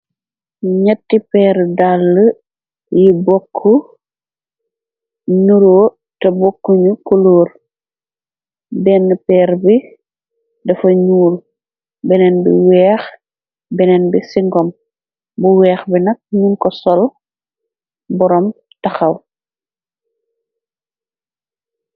N'etti peer dàll yi bokk nuroo te bokk ñu kuloor denn peer bi dafa ñuur beneen bi weex beneen bi ci ngom bu weex bi nak ñum ko sol boroom taxaw.